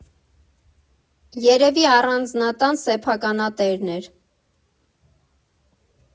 Երևի առանձնատան սեփականատերն էր.